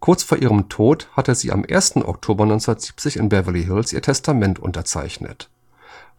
Kurz vor ihrem Tod hatte sie am 1. Oktober 1970 in Beverly Hills ihr Testament unterzeichnet.